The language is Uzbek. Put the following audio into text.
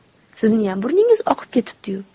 sizniyam burningiz oqib ketdi yu